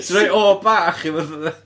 Ti'n rhoi o bach i fatha...